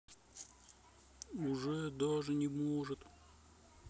уже даже не может